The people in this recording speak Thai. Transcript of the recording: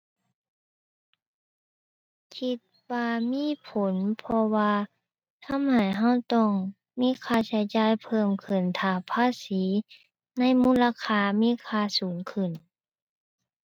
คิดว่ามีผล เพราะว่าทำให้เราต้องมีค่าใช้จ่ายเพิ่มขึ้น ถ้าภาษีในมูลค่ามีค่าสูงขึ้น